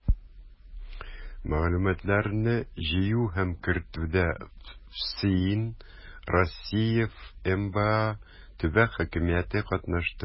Мәгълүматларны җыю һәм кертүдә ФСИН, Россия ФМБА, төбәк хакимияте катнашты.